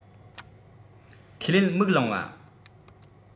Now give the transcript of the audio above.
ཁས ལེན མིག ལོང བ